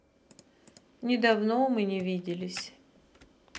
не давно мы не виделись